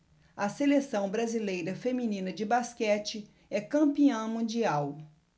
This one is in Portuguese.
a seleção brasileira feminina de basquete é campeã mundial